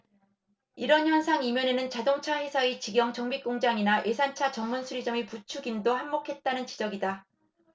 이런 현상 이면에는 자동차회사의 직영 정비공장이나 외산차 전문수리점의 부추김도 한몫했다는 지적이다